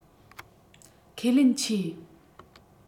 ཁས ལེན ཆེ